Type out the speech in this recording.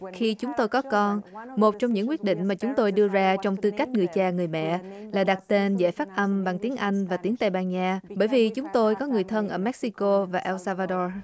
khi chúng tôi có con một trong những quyết định mà chúng tôi đưa ra trong tư cách người cha người mẹ là đặt tên dễ phát âm bằng tiếng anh và tiếng tây ban nha bởi vì chúng tôi có người thân ở mê xi cô và eo xe va đo